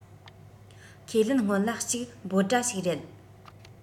ཁས ལེན སྔོན ལ གཅིག འབོད སྒྲ ཞིག རེད